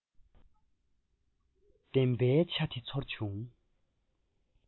ལྡན པའི ཆ དེ ཚོར བྱུང